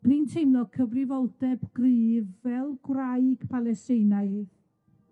dwi'n teimlo cyfrifoldeb gryf fel gwraig Palesteinaidd,